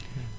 Mhum